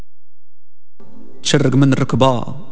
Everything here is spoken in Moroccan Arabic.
شقق من ركبه